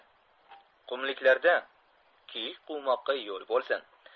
qumliklarda kiyik quvmoqqa yo'l bo'lsin